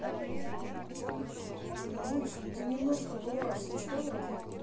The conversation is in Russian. малыш ну ты немножко бываешь сучковатый